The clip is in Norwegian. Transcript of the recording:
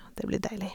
Det blir deilig.